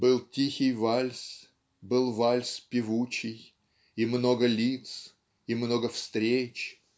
Был тихий вальс, был вальс певучий, И много лиц, и много встреч.